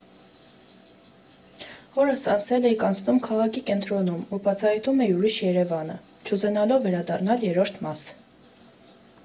Օրս անց էի կացնում քաղաքի կենտրոնում ու բացահայտում էի «ուրիշ Երևանը»՝ չուզենալով վերադառնալ Երրորդ մաս։